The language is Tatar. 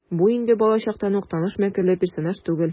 Бу инде балачактан ук таныш мәкерле персонаж түгел.